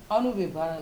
Anw bɛ baara la